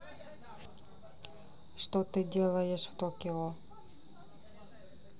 что ты делаешь в токио